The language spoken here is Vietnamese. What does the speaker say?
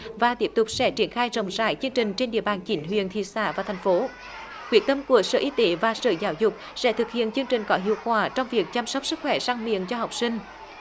và tiếp tục sẽ triển khai rộng rãi chương trình trên địa bàn chín huyện thị xã và thành phố quyết tâm của sở y tế và sở giáo dục sẽ thực hiện chương trình có hiệu quả trong việc chăm sóc sức khỏe răng miệng cho học sinh